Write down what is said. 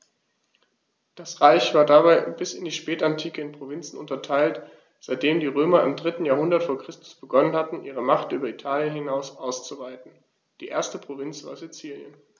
Das Reich war dabei bis in die Spätantike in Provinzen unterteilt, seitdem die Römer im 3. Jahrhundert vor Christus begonnen hatten, ihre Macht über Italien hinaus auszuweiten (die erste Provinz war Sizilien).